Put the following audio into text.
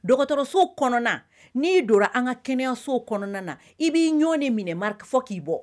Dɔgɔtɔrɔso kɔnɔna n'i donna an ka kɛnɛyaso kɔnɔna na i b'i ɲɔni minɛri fɔ k'i bɔ